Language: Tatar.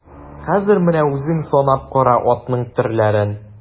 Хәзер менә үзең санап кара атның төрләрен.